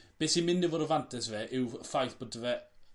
be sy mynd i fod y fantes i fe yw ffaith bo' 'da fe